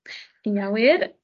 Ia wir.